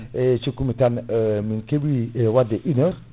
eyyi cikkumi tan min keeɓi wadde une heure